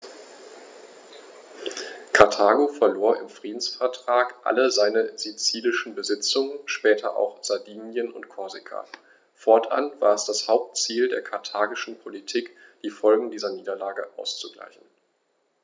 Karthago verlor im Friedensvertrag alle seine sizilischen Besitzungen (später auch Sardinien und Korsika); fortan war es das Hauptziel der karthagischen Politik, die Folgen dieser Niederlage auszugleichen.